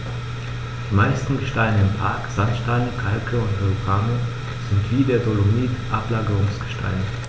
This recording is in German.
Die meisten Gesteine im Park – Sandsteine, Kalke und Verrucano – sind wie der Dolomit Ablagerungsgesteine.